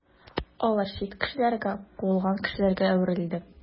Алар чит кешеләргә, куылган кешеләргә әверелде.